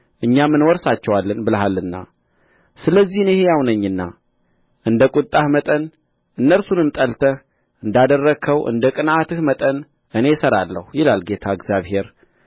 እኛም እንወርሳቸዋለን ብለሃልና ስለዚህ እኔ ሕያው ነኝና እንደ ቍጣህ መጠን እነርሱንም ጠልተህ እንዳደረግኸው እንደ ቅንዓትህ መጠን እኔ እሠራለሁ ይላል ጌታ እግዚአብሔር